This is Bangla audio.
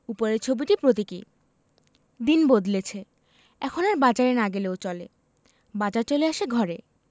উপরের ছবিটি প্রতীকী দিন বদলেছে এখন আর বাজারে না গেলেও চলে বাজার চলে আসে ঘরে